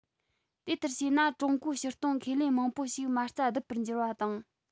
དེ ལྟར བྱས ན ཀྲུང གོའི ཕྱིར གཏོང ཁེ ལས མང པོ ཞིག མ རྩ བརྡིབ པར འགྱུར བ དང